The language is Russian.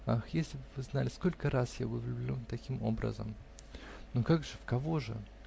Ах, если б вы знали, сколько раз я был влюблен таким образом!. -- Но как же, в кого же?.